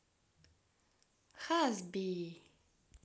хасби